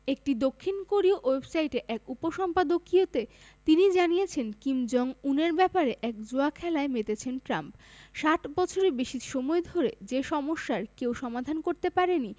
একটি দক্ষিণ কোরীয় ওয়েবসাইটে এক উপসম্পাদকীয়তে তিনি জানিয়েছেন কিম জং উনের ব্যাপারে এক জুয়া খেলায় নেমেছেন ট্রাম্প ৬০ বছরের বেশি সময় ধরে যে সমস্যার কেউ সমাধান করতে পারেনি